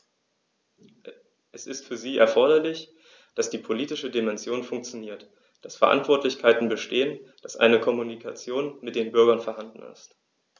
Es ist für sie erforderlich, dass die politische Dimension funktioniert, dass Verantwortlichkeiten bestehen, dass eine Kommunikation mit den Bürgern vorhanden ist.